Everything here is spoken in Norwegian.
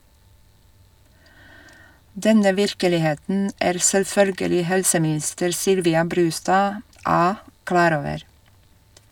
Denne virkeligheten er selvfølgelig helseminister Sylvia Brustad (A) klar over.